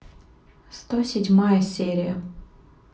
сто седьмая серия